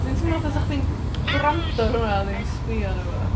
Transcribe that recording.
Dwi'n teimlo'n fatha os fysech chdi'n gwrando ar hwnna a ddim sbio arna fo...